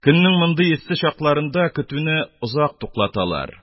Көннең мондый эссе чакларында көтүне озак туктаталар,